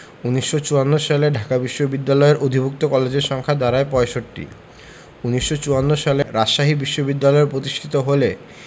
১৯৫৪ সালে ঢাকা বিশ্ববিদ্যালয়ের অধিভুক্ত কলেজের সংখ্যা দাঁড়ায় ৬৫ ১৯৫৪ সালে রাজশাহী বিশ্ববিদ্যালয় প্রতিষ্ঠিত হলে